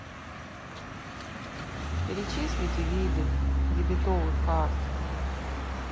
перечислите виды дебетовых карт